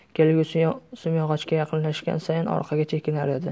kelgusi simyog'ochga yaqinlashgan sayin orqaga chekinar edi